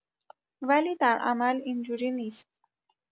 ولی در عمل اینجوری نیست